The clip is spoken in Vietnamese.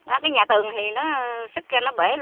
cái nhà tường thì nó sứt ra nó bể